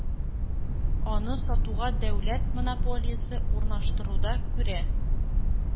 Аны сатуга дәүләт монополиясе урнаштыруда күрә.